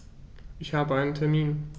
Ich habe einen Termin.